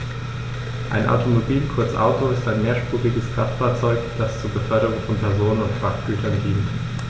Ein Automobil, kurz Auto, ist ein mehrspuriges Kraftfahrzeug, das zur Beförderung von Personen und Frachtgütern dient.